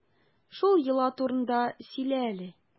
Шул йола турында сөйлә әле.